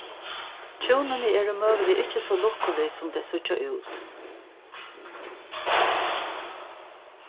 hjúnini eru møguliga ikki so lukkulig sum tey síggja út